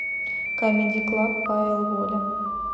камеди клаб павел воля